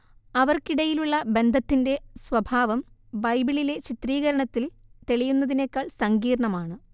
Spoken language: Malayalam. അവർക്കിടയിലുള്ള ബന്ധത്തിന്റെ സ്വഭാവം ബൈബിളിലെ ചിത്രീകരണത്തിൽ തെളിയുന്നതിനേക്കാൾ സങ്കീർണ്ണമാണ്